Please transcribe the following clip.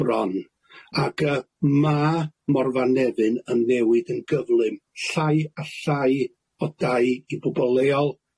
bron ag yy ma' Morfa Nefyn yn newid yn gyflym llai a llai o dai i bobol leol